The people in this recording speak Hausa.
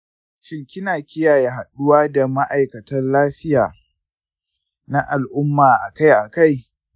shin kina kiyaye haduwa da ma'aikatan lafiya na al'umma akai akai?